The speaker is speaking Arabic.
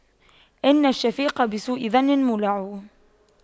إن الشفيق بسوء ظن مولع